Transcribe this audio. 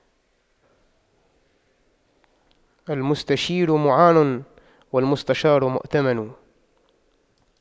المستشير معان والمستشار مؤتمن